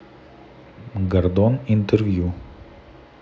гордон интервью